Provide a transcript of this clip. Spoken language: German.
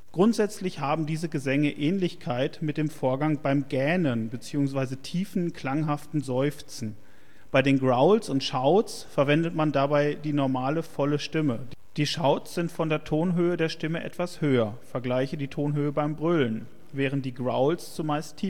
Grundsätzlich haben diese Gesänge Ähnlichkeit mit dem Vorgang beim Gähnen bzw. tiefen, klanghaften Seufzen. Bei den Growls und Shouts verwendet man dabei die normale, volle Stimme. Die Shouts sind von der Tonhöhe der Stimme etwas höher (vgl. Tonhöhe beim Brüllen), während die Growls zumeist